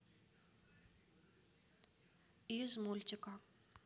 из мультика